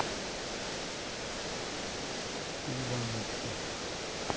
ты вонючка